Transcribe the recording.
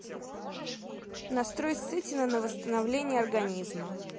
настрой сытина на восстановление организма